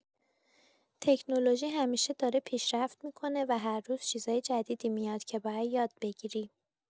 تکنولوژی همیشه داره پیشرفت می‌کنه و هر روز چیزهای جدیدی میاد که باید یاد بگیری.